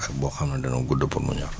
ak boo xam ne dana gudd pour mu ñor